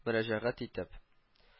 Мөрәҗәгать итеп